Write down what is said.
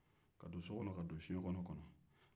ka don so kɔnɔ ka don soɲɛkɔnɔ na